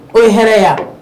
O ye hɛrɛ yan